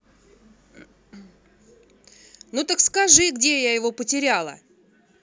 ну так скажи где я его потеряла